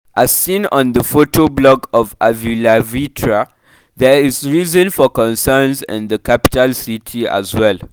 As seen on the photoblog of avylavitra, there is reason for concerns in the capital city as well.